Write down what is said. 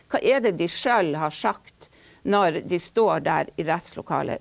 hva er det de sjøl har sagt når de står der i rettslokalet?